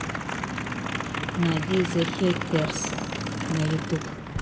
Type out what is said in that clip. найди зе хеттерс на ютуб